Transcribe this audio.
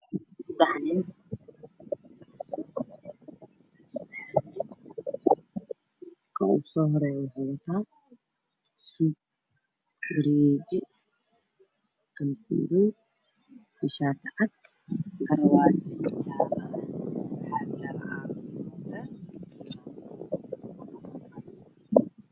Waa xafiis hool waxaa fadhiya saddex nin waxay wataan si wadad madow ah waxay ku fadhiyeen kuraas aada cad re iyo ka dambee wacdaan